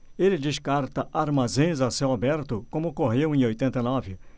ele descarta armazéns a céu aberto como ocorreu em oitenta e nove